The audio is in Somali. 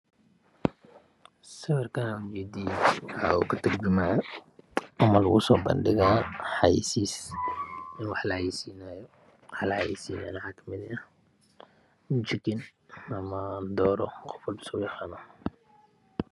Sawirkan aad u jeediin waxa uu Ka turjumayaa ama lagu soo bandhigaa xayasiis in wax la xayasiinayo waxa la xayasiinayo waxa Ka mid ah chicken ama dooro qof walbo suu u yaqaano